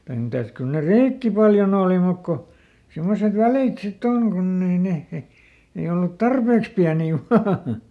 vaikka mitäs kyllä ne rikki paljon oli mutta kun semmoiset välit sitten on kun ei ne he ei ollut tarpeeksi pieniä vain